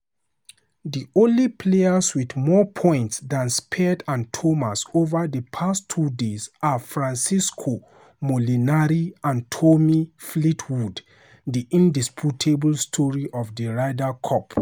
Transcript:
The only players with more points than Spieth and Thomas over the past two days are Francesco Molinari and Tommy Fleetwood, the indisputable story of the Ryder Cup.